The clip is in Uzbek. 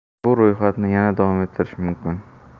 bu ro'yxatni yana davom ettirish mumkin